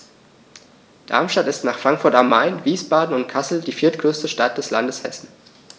Darmstadt ist nach Frankfurt am Main, Wiesbaden und Kassel die viertgrößte Stadt des Landes Hessen